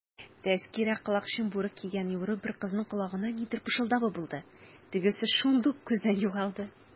Тәзкирә колакчын бүрек кигән йомры бер кызның колагына нидер пышылдавы булды, тегесе шундук күздән югалды.